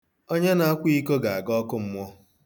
Onye na-akwa iko ga-aga ọkụ mmụọ.